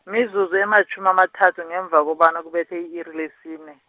mizuzu ematjhumi amathathu, ngemva kobana kubethe i-iri lesine.